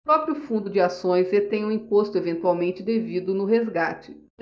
o próprio fundo de ações retém o imposto eventualmente devido no resgate